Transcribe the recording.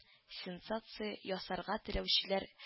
Сенсация ясарга теләүчеләр